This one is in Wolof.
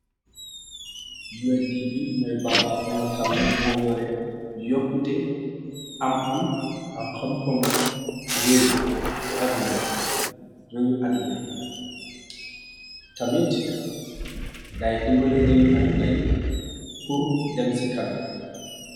und bu mooy banxaas mango xarne moo yoore yokkute am amak xomkom réew yu adduna yi tamit daay dimbale réew yu adduna yi pur dem ci canam.